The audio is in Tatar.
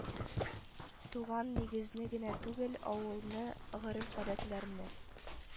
Туган нигезне генә түгел, авылны, гореф-гадәтләрне,